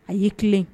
A y'i tilen